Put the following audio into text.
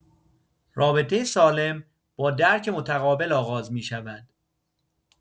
رابطه سالم با درک متقابل آغاز می‌شود.